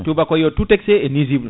tubabe o wi tout excés est nuisible